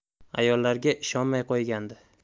ayollarga ishonmay qo'ygandi